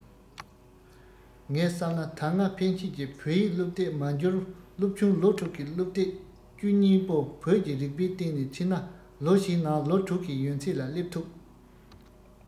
ངས བསམ ན ད སྔ ཕན ཆད ཀྱི བོད ཡིག སློབ དེབ མ འགྱུར སློབ ཆུང ལོ དྲུག གི སློབ དེབ བཅུ གཉིས པོ བོད ཀྱི རིག པའི སྟེང ནས ཁྲིད ན ལོ བཞིའི ནང ལོ དྲུག གི ཡོན ཚད ལ སླེབས ཐུབ